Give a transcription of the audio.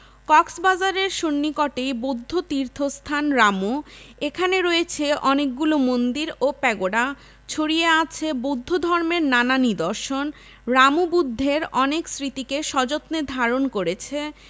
কক্সবাজারের সন্নিকটেই বৌদ্ধ তীর্থস্থান রামু এখানে রয়েছে অনেকগুলো মন্দির ও প্যাগোডা ছড়িয়ে আছে বৌদ্ধ ধর্মের নানা নিদর্শন রামু বুদ্ধের অনেক স্মৃতিকে সযত্নে ধারণ করেছে